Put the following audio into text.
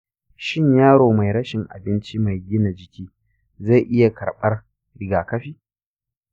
shin yaro mai rashin abinci mai gina jiki zai iya karɓar rigakafi?